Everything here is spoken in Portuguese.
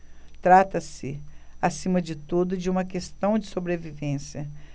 trata-se acima de tudo de uma questão de sobrevivência